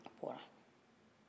a bɔra